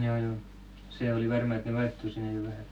joo joo se oli varmaan että ne vaihtui siinä jo vähän